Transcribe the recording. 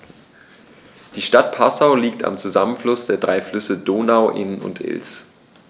Die Stadt Passau liegt am Zusammenfluss der drei Flüsse Donau, Inn und Ilz.